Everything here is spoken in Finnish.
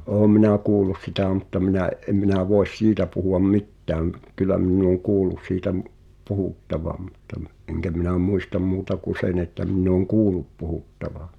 olen minä kuullut sitä mutta minä en minä voi siitä puhua mitään kyllä minä olen kuullut siitä - puhuttavan mutta - enkä minä muista muuta kuin sen että minä olen kuullut puhuttavan